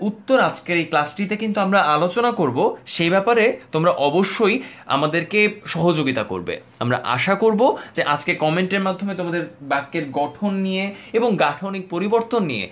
আজকের এই ক্লাসটি তে কিন্তু আমরা আলোচনা করব সেই ব্যাপারে তোমরা অবশ্যই আমাদেরকে সহযোগিতা করবে আমরা আশা করবো যে আজকের কমেন্টের মাধ্যমে তোমাদের বাক্যের গঠন নিয়ে এবং গাঠনিক পরিবর্তন নিয়ে